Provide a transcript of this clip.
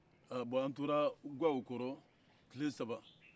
ɔ bɔn an tora ga kɔrɔ tile saba